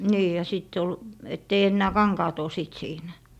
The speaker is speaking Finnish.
niin ja sitten oli että ei enää kankaat ole sitten siinä